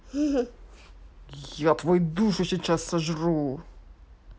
я твой душу сейчас сожру